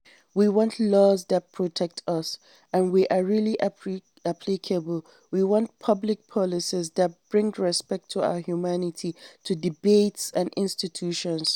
We want laws that protect us and are really applicable, we want public policies that bring respect of our humanity to debates and institutions.